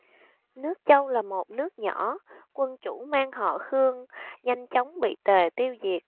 nước châu là một nước nhỏ quân chủ mang họ khương nhanh chóng bị tề tiêu diệt